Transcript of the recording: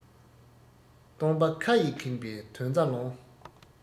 སྟོང པ ཁ ཡིས ཁེངས པའི དོན རྩ ལོངས